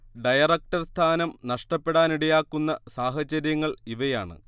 director സ്ഥാനം നഷ്ടപ്പെടാനിടയാക്കുന്ന സാഹചര്യങ്ങൾ ഇവയാണ്